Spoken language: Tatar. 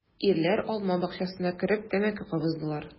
Ирләр алма бакчасына кереп тәмәке кабыздылар.